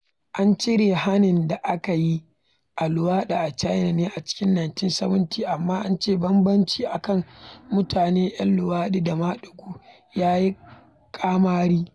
An cire hanin da aka yi a luwaɗi a China ne a cikin 1997, amma an ce bambanci a kan mutane 'yan luwaɗi da maɗigo ya yi ƙamari.